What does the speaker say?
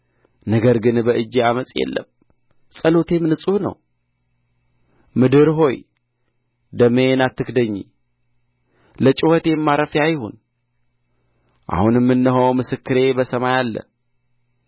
ነገር ግን በእጄ ዓመፅ የለም ጸሎቴም ንጹሕ ነው ምድር ሆይ ደሜን አትክደኚ ለጩኸቴም ማረፊያ አይሁን አሁንም እነሆ ምስክሬ በሰማይ አለ